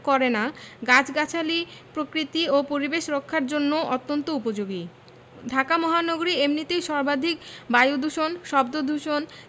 করে না গাছগাছালি প্রকৃতি ও পরিবেশ রক্ষার জন্যও অত্যন্ত উপযোগী ঢাকা মহানগরী এমনিতেই সর্বাধিক বায়ুদূষণ শব্দদূষণ